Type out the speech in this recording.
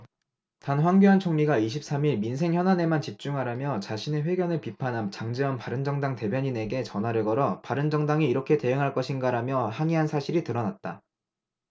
단 황교안 총리가 이십 삼 일 민생 현안에만 집중하라며 자신의 회견을 비판한 장제원 바른정당 대변인에게 전화를 걸어 바른정당이 이렇게 대응할 것인가라며 항의한 사실이 드러났다